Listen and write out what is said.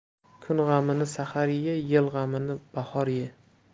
kun g'amini sahar ye yil g'amini bahor ye